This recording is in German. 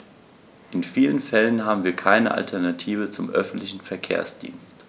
In vielen Fällen haben wir keine Alternative zum öffentlichen Verkehrsdienst.